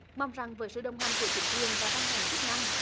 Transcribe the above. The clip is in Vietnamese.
mong rằng với sự đồng hành của chính quyền và ban ngành chức năng